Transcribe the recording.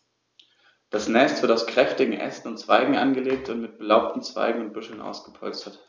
Das Nest wird aus kräftigen Ästen und Zweigen angelegt und mit belaubten Zweigen und Büscheln ausgepolstert.